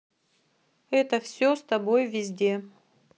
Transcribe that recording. это все с тобой везде